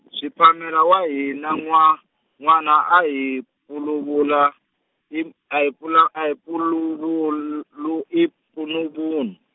Shiphamela wa hina nwa- n'wana a hi, puluvula- i-, a hi pulu-, a hi puluvul- -lu i punupunu.